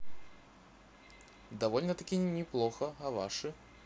довольно таки неплохо а ваши